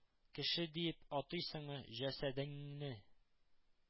Кеше диеп атыйсыңмы җасәдеңне?